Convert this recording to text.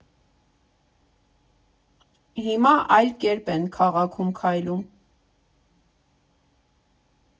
Հիմա այլ կերպ եմ քաղաքում քայլում։